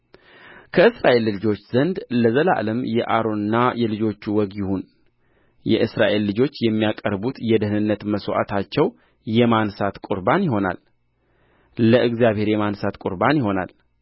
ከእስራኤል ልጆች ዘንድ ለዘላለም የአሮንና የልጆቹ ወግ ይሁን የእስራኤል ልጆች የሚያቀርቡት የደኅንነት መሥዋዕታቸው የማንሣት ቍርባን ይሆናል ለእግዚአብሔር የማንሣት ቍርባን ይሆናል